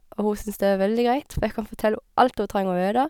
Og hun syns det er veldig greit, for jeg kan fortelle hun alt hun trenger å vite.